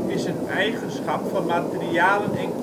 is een eigenschap van materialen en